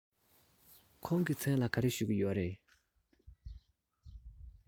ཁོང གི མཚན ལ ག རེ ཞུ གི ཡོད རེད